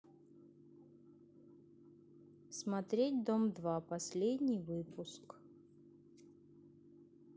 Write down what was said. смотреть дом два последний выпуск